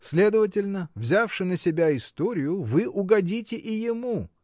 Следовательно, взявши на себя историю, вы угодите и ему.